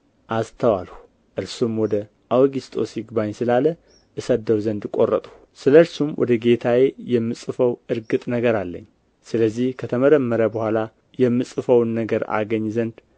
አስተዋልሁ እርሱም ወደ አውግስጦስ ይግባኝ ስላለ እሰደው ዘንድ ቈረጥሁ ስለ እርሱም ወደ ጌታዬ የምጽፈው እርግጥ ነገር የለኝም ስለዚህ ከተመረመረ በኋላ የምጽፈውን ነገር አገኝ ዘንድ